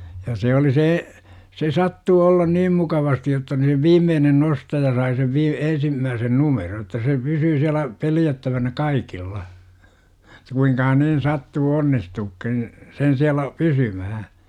ja se oli se se sattui olla niin mukavasti jotta niin se viimeinen nostaja sai sen - ensimmäisen numeron että se pysyi siellä pelättävänä kaikilla jotta kuinkahan niin sattui onnistumaankin sen siellä pysymään